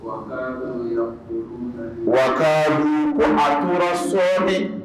Wa kaalu ya buduuna li wa kaalu ko a tora sɔɔni